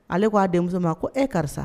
Ale k'a denmuso ma ko e karisa